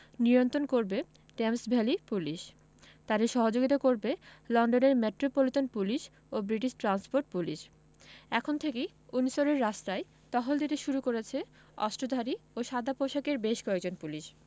নিয়ন্ত্রণ করবে Thames Valley police তাঁদের সহযোগিতা করবে লন্ডনের মেট্রোপলিটন পুলিশ ও ব্রিটিশ ট্রান্সপোর্ট পুলিশ এখন থেকেই উইন্ডসরের রাস্তায় টহল দিতে শুরু করেছে অস্ত্রধারী ও সাদাপোশাকের বেশ কয়েকজন পুলিশ